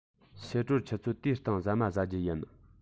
ཕྱི དྲོར ཆུ ཚོད དུའི སྟེང ཟ མ ཟ རྒྱུ ཡིན